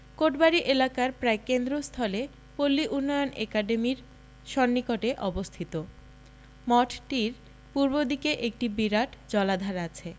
কোটবাড়ি এলাকার প্রায় কেন্দ্রস্থলে পল্লী উন্নয়ন একাডেমীর সন্নিকটে অবস্থিত মঠটির পূর্বদিকে একটি বিরাট জলাধার আছে